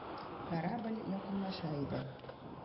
Корабль якынлаша иде.